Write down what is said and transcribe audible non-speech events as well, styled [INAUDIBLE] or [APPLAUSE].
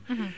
[HESITATION] [HESITATION]